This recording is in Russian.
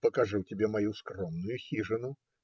Покажу тебе мою скромную хижину,